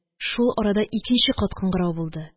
Шул арада икенче кат кыңгырау булды